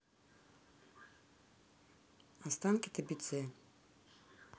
останки табидзе